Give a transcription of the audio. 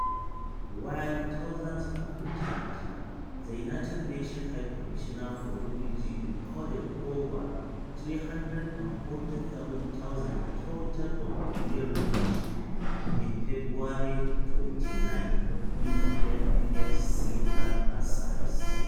While thousands have returned, the United Nations High Commissioner for Refugees recorded over 347,000 total Burundian refugees in February 2019 UNHCR asserts: